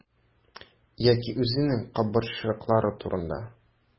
Яки үзенең кабырчрыклары турында.